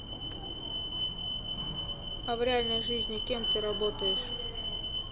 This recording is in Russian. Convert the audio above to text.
а в реальной жизни кем ты работаешь